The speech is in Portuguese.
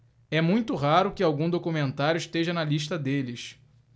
é muito raro que algum documentário esteja na lista deles